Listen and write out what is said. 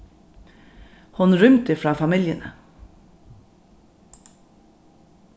hon rýmdi frá familjuni